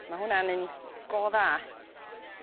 Ma' hwnna'n un go dda